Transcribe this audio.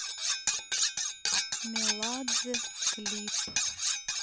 меладзе клип